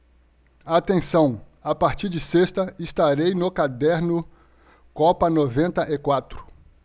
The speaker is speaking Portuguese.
atenção a partir de sexta estarei no caderno copa noventa e quatro